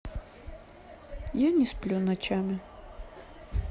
я не сплю ночами